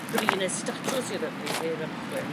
bri ne' statws i'r y- i i'r ymchwil